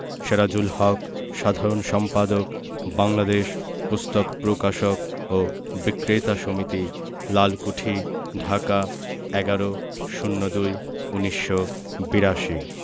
সেরাজুল হক সাধারণ সম্পাদক বাংলাদেশ পুস্তক প্রকাশক ও বিক্রেতা সমিতি লালকুঠি ঢাকা ১১/০২/১৯৮২